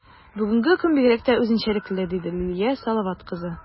Бүгенге көн бигрәк тә үзенчәлекле, - диде Лилия Салават кызы.